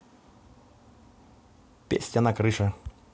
песня на крыше